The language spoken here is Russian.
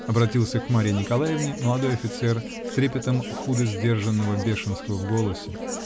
-- обратился к Марье Николаевне молодой офицер с трепетом худо сдержанного бешенства в голосе.